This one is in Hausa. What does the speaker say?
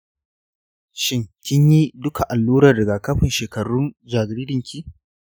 shin kinyi duka allurar rigakafin shekarun jaririnki?